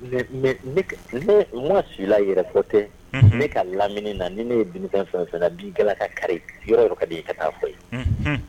Mɛ mɛ ma' i la yɛrɛfɔ tɛ ne ka lamini na ni ne ye bi fɛn fɛn na'i ka kari yɔrɔ yɔrɔ ka ye ka taa fɔ ye